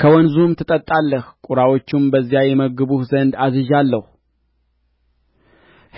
ከወንዙም ትጠጣለህ ቍራዎችም በዚያ ይመግቡህ ዘንድ አዝዣለሁ